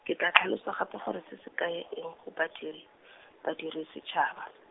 ke tla tlhalosa gape gore se se kaya eng go badiri, badiri setšhaba.